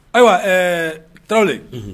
Ayiwa ɛɛ tarawele. Unhun.